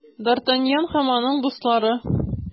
Д’Артаньян һәм аның дуслары.